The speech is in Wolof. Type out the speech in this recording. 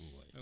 waaw